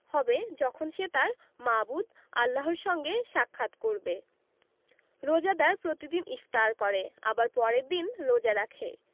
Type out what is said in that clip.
হবে যখন সে তাঁর মাবুদ আল্লাহর সঙ্গে সাক্ষাৎ করবে রোজাদার প্রতিদিন ইফতার করে আবার পরের দিন রোজা রাখে